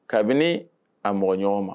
Kabini a mɔgɔ ɲɔgɔn ma